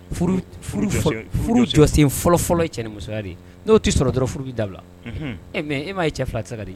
Jɔsen fɔlɔ fɔlɔ ye cɛ musoya ye n'o tɛ sɔrɔ dɔrɔn furu bɛ dabila e mɛ e m ye cɛ fila sa ka di